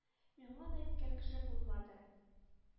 Миңа аны әйткән кеше булмады